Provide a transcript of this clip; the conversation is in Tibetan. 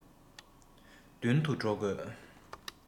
མདུན དུ འགྲོ དགོས